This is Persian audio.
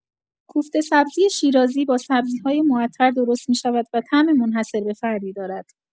کوفته سبزی شیرازی با سبزی‌های معطر درست می‌شود و طعم منحصر به فردی دارد.